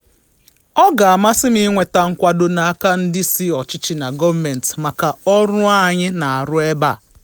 Ọ ga-amasị m ịnweta nkwado n'aka ndị isi ọchịchị na gọọmenti maka ọrụ anyị na-arụ ebe a.